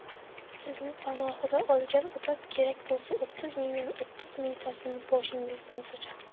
sizni panohiga olgan odam kerak bo'lsa o'ttiz mingdan o'ttiz mingtasini boshingizdan sochadi